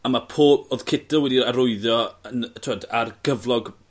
a ma' po'... Odd Kittel wedi a- arwyddio yn t'wod ar gyflog